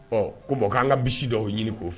Ɔ ko k ko'an ka bisimila dɔw ɲini k'o fɛ